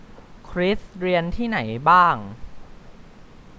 คริสเรียนที่ไหนบ้าง